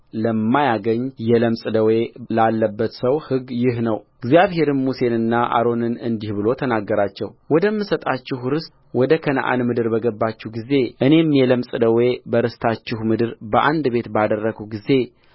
ለማያገኝ የለምጽ ደዌ ላለበት ሰው ሕግ ይህ ነውእግዚአብሔርም ሙሴንና አሮንን እንዲህ ብሎ ተናገራቸውወደምሰጣችሁ ርስት ወደ ከነዓን ምድር በገባችሁ ጊዜ እኔም የለምጽ ደዌ በርስታችሁ ምድር በአንድ ቤት ባደረግሁ ጊዜ